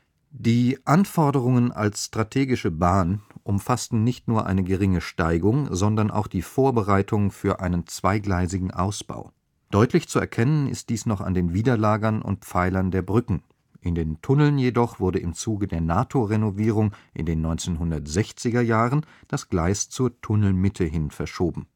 Die Anforderungen als strategische Bahn umfassten nicht nur eine geringe Steigung, sondern auch die Vorbereitung für einen zweigleisigen Ausbau. Deutlich zu erkennen ist dies noch an den Widerlagern und Pfeilern der Brücken. In den Tunneln jedoch wurde im Zuge der NATO-Renovierung in den 1960er-Jahren das Gleis zur Tunnelmitte hin verschoben